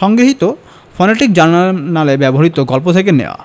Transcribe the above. সংগৃহীত ফনেটিক জার্নালে ব্যবহিত গল্প থেকে নেওয়া